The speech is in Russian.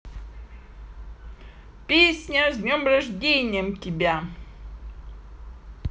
песня с днем рождения тебя